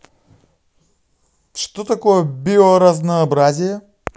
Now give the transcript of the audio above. что такое биоразнообразие